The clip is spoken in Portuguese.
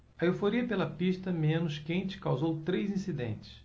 a euforia pela pista menos quente causou três incidentes